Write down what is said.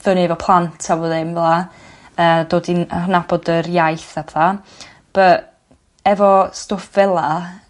fyny efo plant a bo' ddim fela a dod i n- yy nabod yr iaith a petha but efo stwff fel 'a